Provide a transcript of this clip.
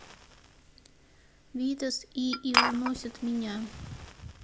витас и и уносят меня